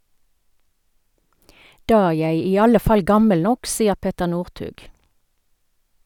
Da er jeg i alle fall gammel nok, sier Petter Northug.